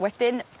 Wedyn